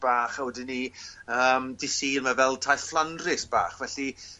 bach a wedyn 'ny yym dydd Sul mae fel taith Fflandrys bach felly